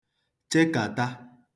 chekàta